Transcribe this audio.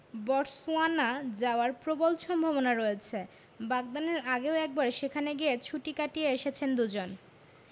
Botswana যাওয়ার প্রবল সম্ভাবনা রয়েছে বাগদানের আগেও একবার সেখানে গিয়ে ছুটি কাটিয়ে এসেছেন দুজন